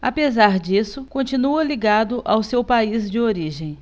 apesar disso continua ligado ao seu país de origem